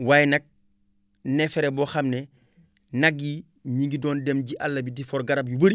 waaye nag neefere boo xam ne nag yi ñi ngi doon dem ji àll bi du for garab yu bëri